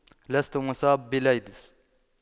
لست مصاب بالايدز